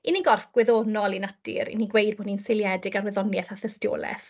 'Y ni'n gorff gwyddonol ei natur, 'y ni'n gweud bod ni'n seiliedig ar wyddoniaeth a thystiolaeth.